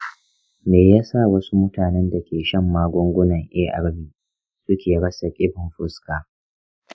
me ya sa wasu mutanen da ke shan magungunan arv suke rasa kiban fuska?